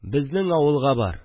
Безнең авылга бар